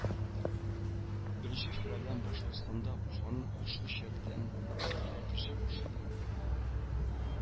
Беренче февральдән башкортстанда уфаның ашыгыч ярдәм сайты эшли башлады